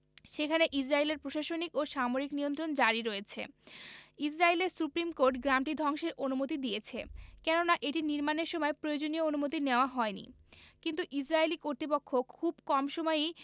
সেখানে ইসরাইলের প্রশাসনিক ও সামরিক নিয়ন্ত্রণ জারি রয়েছে ইসরাইলের সুপ্রিম কোর্ট গ্রামটি ধ্বংসের অনুমতি দিয়েছে কেননা এটি নির্মাণের সময় প্রয়োজনীয় অনুমতি নেওয়া হয়নি কিন্তু ইসরাইলি কর্তৃপক্ষ খুব কম সময়ই